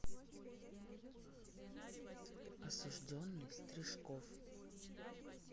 осужденный стрижков